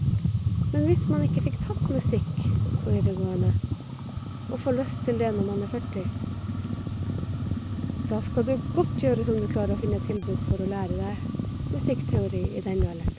Men hvis man ikke fikk tatt musikk på videregående, og får lyst til det når man er førti, da skal det godt gjøres om du klarer å finne et tilbud for å lære deg musikkteori i den alderen.